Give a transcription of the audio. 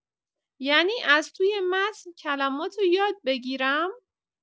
یعنی از توی متن کلماتو یاد بگیرم؟